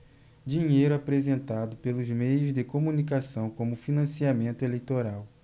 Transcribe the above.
dinheiro apresentado pelos meios de comunicação como financiamento eleitoral